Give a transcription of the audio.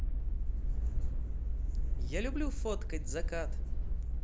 я люблю фоткать закат